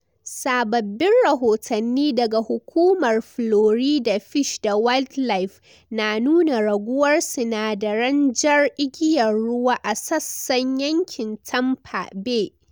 Sababbin rahotanni daga Hukumar Florida Fish da wildlife na nuna raguwar sinadaran Jar Igiyar Ruwa a sassan yankin Tampa Bay.